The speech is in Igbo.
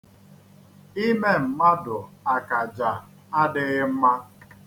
Ime mmadụ akaja adịghị mma.